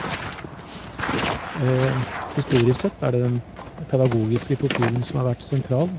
Historisk sett er det den pedagogiske profilen som har vært sentral.